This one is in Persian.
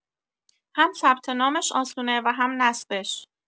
هم ثبت نامش آسونه و هم نصبش